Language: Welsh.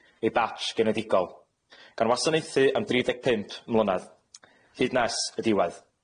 Ei batsh genedigol, gan wasanaethu am dri deg pump mlynadd, hyd nes y diwedd.